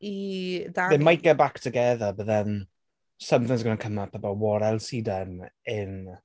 i Dami...They might get back together, but then something's going to come up about what else he done in...